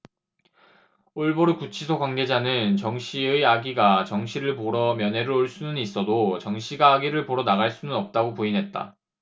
올보르 구치소 관계자는 정 씨의 아기가 정 씨를 보러 면회를 올 수는 있어도 정 씨가 아기를 보러 나갈 수는 없다고 부인했다